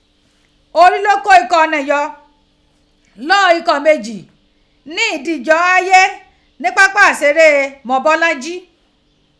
Ori lo ko ikọ̀ ni yọ lọọ ikọ̀ méjì ni idije o ghaye ni papa iṣire Mobọ́lájí.